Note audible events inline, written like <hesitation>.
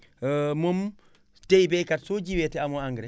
<hesitation> moom tet baykat soo jiyee te maoo engrais